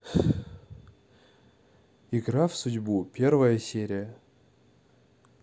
игра в судьбу первая серия